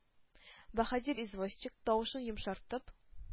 Баһадир извозчик, тавышын йомшартып,